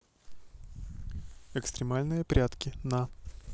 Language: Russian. экстремальные прятки на